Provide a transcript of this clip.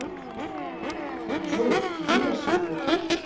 джой убери ошибку